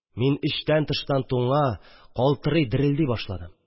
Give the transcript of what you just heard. Мин эчтән-тыштан туңа, калтырый, дерелди башладым